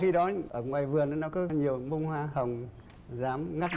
khi đó ở ngoài vườn nó có nhiều những bông hoa hồng dám ngắt